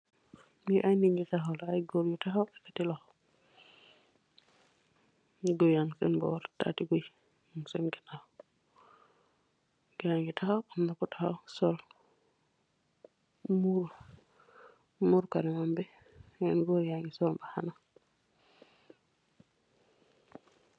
Nyii ay ninyu tahawla, ay goor yu tahaw, eketi loho, guyy yangi sen boor, taati guyyi mung sen ginaaw, amna ku tahaw murr kanamam bi, yeneen gorr yangi sol mbahana.